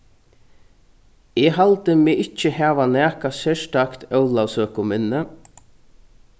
eg haldi meg ikki hava nakað serstakt ólavsøkuminni